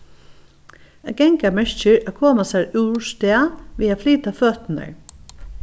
at ganga merkir at koma sær úr stað við at flyta føturnar